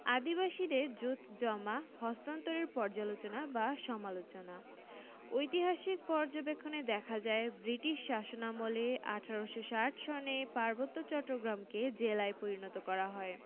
আদিবাসীদের জোতজমা হন্তান্তরের পর্যালোচনা বা সমালোচনা ঐতিহাসিক পর্যবেক্ষনে দেখা যায় বৃটিশ শাসনামলে ১৮৬০ সনে পার্বত্য চট্টগ্রামকে জেলায় পরিণত করা হয়